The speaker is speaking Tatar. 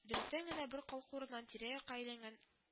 Дөрестән генә бер калку урыннан тирә-якка әйләнгән